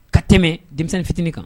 Ka tɛmɛ denmisɛnnin fitinin kan